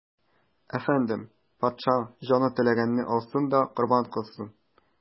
Әфәндем, патша, җаны теләгәнне алсын да корбан кылсын.